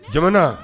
Jama